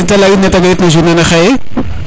i te gar te leya in nete ga it na journée ne xaye